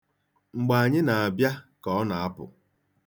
Mgbe anyị na-abịa ka ọ na-apụ.